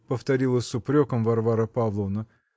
-- повторила с упреком Варвара Павловна.